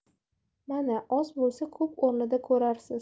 mana oz bo'lsa ko'p o'rnida ko'rasiz